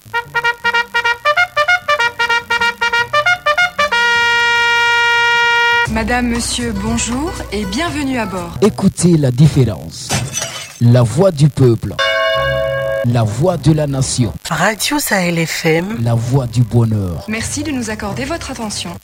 Mada subonf e ku tɛ yen ladi fɛ lawaji to bila lawadu la nasi ancisa yɛrɛ fɛn lawadi bɔn mɛ sidisa